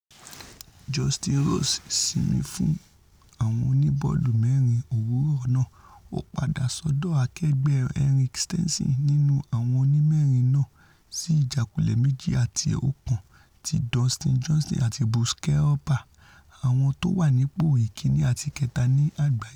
Justin Rose, sinmi fún àwọn oníbọ́ọ̀lù-mẹ́rin òwúrọ̀ náà, ó padà sọ́dọ̀ akẹgbẹ́ Henrik Stenson nínú àwọn onímẹ́rin náà sí ìjákulẹ̀ 2 àti 1 ti Dustin Johnson àti Brooks Koepka - àwọn tówànípò ìkínni àti ìkẹta ni àgbáyé.